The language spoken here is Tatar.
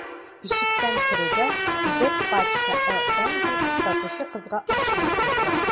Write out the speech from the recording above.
Ишектән керүгә: – Бер пачка «LM»,– дип, сатучы кызга акча сузды.